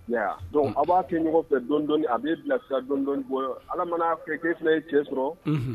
Donc aw b'a kɛ ɲɔgɔn fɛ dɔni dɔni a bɛ bilasira dɔni dɔni bon Ala mana kɛ k'e fana ye cɛ sɔrɔ